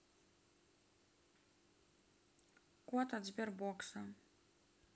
кот от сбербокса